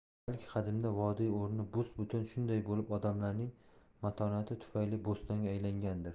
balki qadimda vodiy o'rni bus butun shunday bo'lib odamlarning matonati tufayli bo'stonga aylangandir